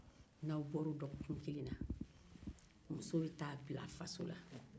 n'a bɔra o dɔgɔkun kelen na muso bɛ taa bila a faso